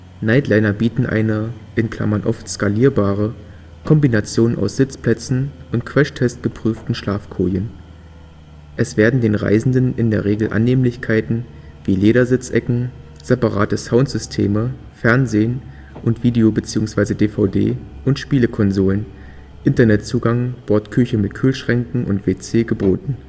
Nightliner bieten eine (oft skalierbare) Kombination aus Sitzplätzen und crashtest-geprüften Schlafkojen. Es werden den Reisenden in der Regel Annehmlichkeiten wie Ledersitzecken, separate Soundsysteme, Fernsehen und Video/DVD und Spielekonsolen, Internetzugang, Bordküche mit Kühlschränken und WC geboten